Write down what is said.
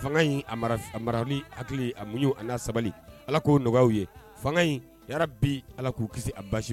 Fanga in mara ni hakili a mu ye an ka sabali ala k koo nɔgɔya ye fanga in ara bi ala k'u kisi a basi